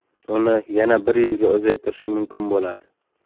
uni yana bir yilga uzaytirish mumkin bo'ladi